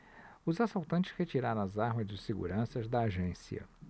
os assaltantes retiraram as armas dos seguranças da agência